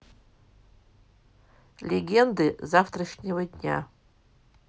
легенды завтрашнего дня